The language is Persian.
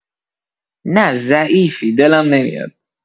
نه ضعیفی دلم نمیاد